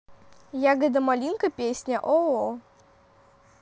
ягода малинка песня ооо